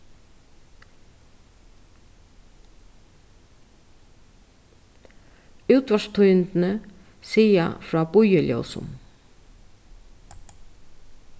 útvarpstíðindini siga frá bíðiljósum